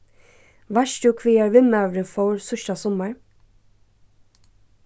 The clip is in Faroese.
veitst tú hvagar vinmaðurin fór síðsta summar